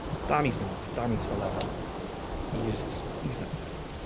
Dami's not, Dami's full on. He's, he's the...